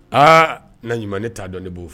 Aa naɲuman ne ta dɔn ne bo fɔ